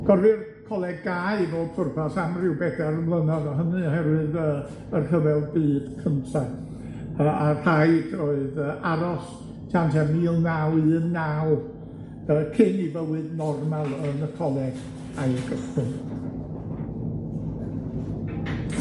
Gorfu'r coleg gau i bob pwrpas am ryw bedair mlynadd, a hynny oherwydd yy y rhyfel byd cynta a a rhaid oedd yy aros tan tua mil naw un naw yy cyn i fywyd normal yn y coleg ail gychwyn.